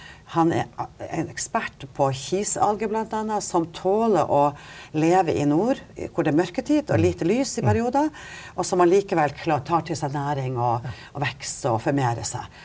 han er en ekspert på kiselalge bl.a. som tåler å leve i nord hvor det er mørketid og lite lys i perioder og som allikevel tar til seg næring og og vokser og formerer seg.